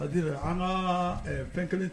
C'est à dire an kaa ee fɛn kelen